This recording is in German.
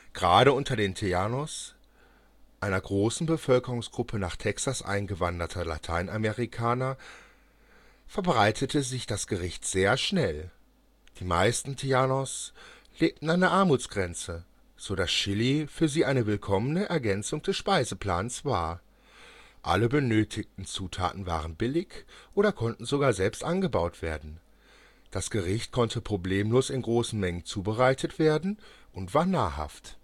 Gerade unter den Tejanos – einer großen Bevölkerungsgruppe nach Texas eingewanderter Lateinamerikaner – verbreitete sich das Gericht sehr schnell. Die meisten Tejanos lebten an der Armutsgrenze, so dass Chili für sie eine willkommene Ergänzung des Speiseplans war: Alle benötigten Zutaten waren billig oder konnten sogar selbst angebaut werden, das Gericht konnte problemlos in großen Mengen zubereitet werden und war nahrhaft